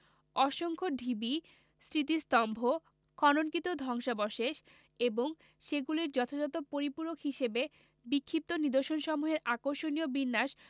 অসংখ্য ঢিবি স্মৃতিস্তম্ভ খননকৃত ধ্বংসাবশেষ এবং সেগুলির যথাযথ পরিপূরক হিসেবে বিক্ষিপ্ত নিদর্শনসমূহের আকর্ষণীয় বিন্যাস